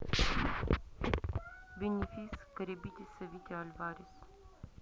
бенефис карибидиса витя альварес